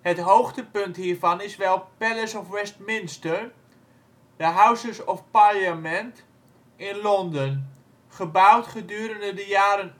Het hoogtepunt hiervan is wel Palace of Westminster (de Houses of Parliament) in Londen, gebouwd gedurende de jaren 1820 en 1830